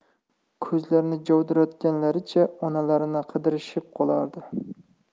ko'zlarini jovdiratganlaricha onalarini qidirishib qolardi